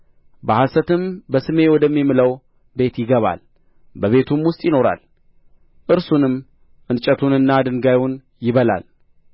በሐሰትም በስሜ ወደሚምለው ቤት ይገባል በቤቱም ውስጥ ይኖራል እርሱንም እንጨቱንና ድንጋዩን ይበላል